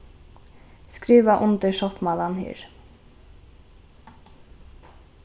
skriva undir sáttmálan her